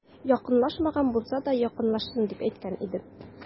Якынлашмаган булса да, якынлашсын, дип әйткән идем.